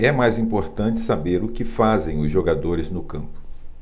é mais importante saber o que fazem os jogadores no campo